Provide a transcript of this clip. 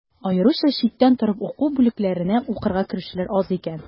Аеруча читтән торып уку бүлекләренә укырга керүчеләр аз икән.